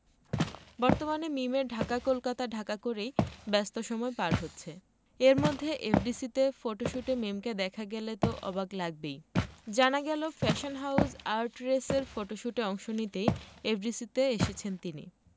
বর্তমানে মিমের ঢাকা কলকাতা ঢাকা করেই ব্যস্ত সময় পার হচ্ছে এরমধ্যে এফডিসিতে ফটোশুটে মিমকে দেখা গেল তো অবাক লাগবেই জানা গেল ফ্যাশন হাউজ আর্টরেসের ফটশুটে অংশ নিতেই এফডিসিতে এসেছেন তিনি